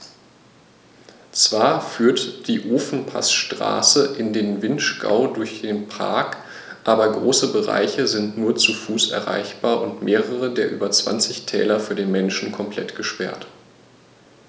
Zwar führt die Ofenpassstraße in den Vinschgau durch den Park, aber große Bereiche sind nur zu Fuß erreichbar und mehrere der über 20 Täler für den Menschen komplett gesperrt.